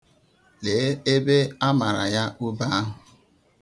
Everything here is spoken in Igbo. Lee ebe a mara ya ube ahụ.